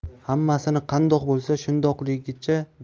hammasini qandoq bo'lsa shundoqligicha